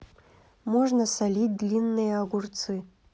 можно солить длинные огурцы